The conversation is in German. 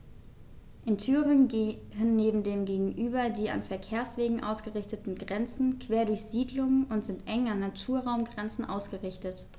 In Thüringen gehen dem gegenüber die an Verkehrswegen ausgerichteten Grenzen quer durch Siedlungen und sind eng an Naturraumgrenzen ausgerichtet.